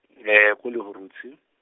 ko Lehurutshe.